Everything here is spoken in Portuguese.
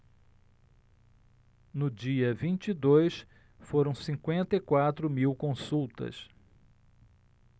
no dia vinte e dois foram cinquenta e quatro mil consultas